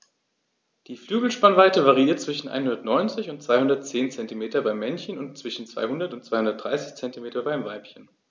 Die Flügelspannweite variiert zwischen 190 und 210 cm beim Männchen und zwischen 200 und 230 cm beim Weibchen.